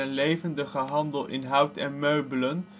levendige handel in hout en meubelen